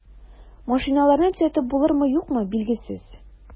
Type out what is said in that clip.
Машиналарны төзәтеп булырмы, юкмы, билгесез.